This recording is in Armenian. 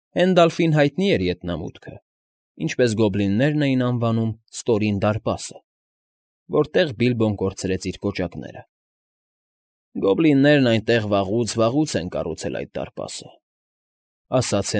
Հենդալֆին հայտնի էր ետնամուտքը, ինչպես գոբլիններն էին անվանում ստորին դարպասը, որտեղ Բիբլոն կորցրեց իր կոճակները։ ֊ Գոբլիններն այնտեղ վաղո՜ւց֊վաղուց են կառուցել այդ դարպասը,֊ ասաց։